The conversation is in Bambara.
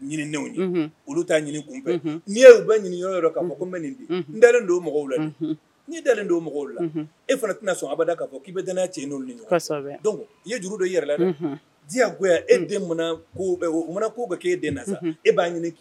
'i u bɛ ɲini yɔrɔ ka bɛ nin dalen don o mɔgɔw la n dalen don o mɔgɔw la e fana tɛna sɔn aba k'a fɔ k'i bɛ n cɛ n' i ye juru dɔ yɛlɛla diya e den munna ko bɛ o munna k ko bɛ k' e den sa e b'a ɲini k